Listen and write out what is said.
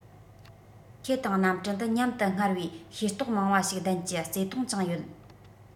ཁྱེད དང གནམ གྲུ འདི མཉམ དུ སྔར བས ཤེས རྟོག མང བ ཞིག ལྡན གྱི བརྩེ དུང བཅངས ཡོད